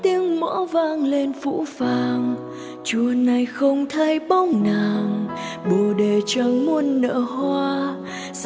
tiếng mõ vang lên phũ phàng chùa này không thấy bóng nàng bồ đề chẳng muốn nở hoa